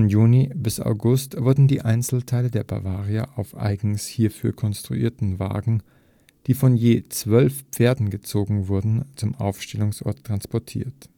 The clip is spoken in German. Juni bis August wurden die Einzelteile der Bavaria auf eigens hierfür konstruierten Wagen, die von je zwölf Pferden gezogen wurden, zum Aufstellungsort transportiert